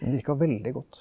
den virka veldig godt.